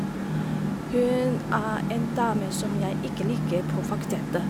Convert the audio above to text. Hun er en dame som jeg ikke liker på fakultetet.